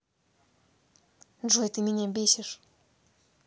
джой ты меня бесишь